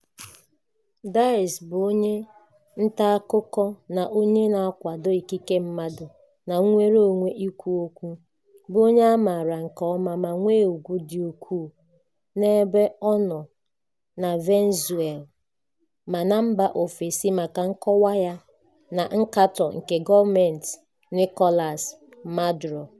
Díaz bụ onye nta akụkọ na onye na-akwado ikike mmadụ na nnwere onwe ikwu okwu bụ onye a maara nke ọma ma nwee ùgwù dị ukwuu n'ebe ọ nọ na Venezuela ma na mba ofesi maka nkọwa ya na nkatọ nke gọọmentị Nicolas Maduro.